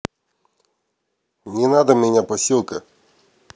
не надо меня посилка